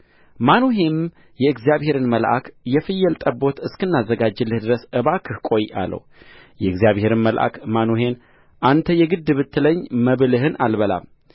ማኑሄም የእግዚአብሔርን መልአክ የፍየል ጠቦት እስክናዘጋጅልህ ድረስ እባክህ ቆይ አለው የእግዚአብሔርም መልአክ ማኑሄን አንተ የግድ ብትለኝ መብልህን አልበላም